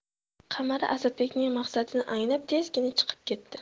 qamara asadbekning maqsadini anglab tezgina chiqib ketdi